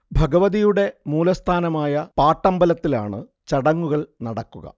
ഭഗവതിയുടെ മൂലസ്ഥാനമായ പാട്ടമ്പലത്തിലാണ് ചടങ്ങുകൾ നടക്കുക